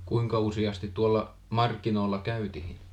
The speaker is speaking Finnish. kuinka usein tuolla markkinoilla käytiin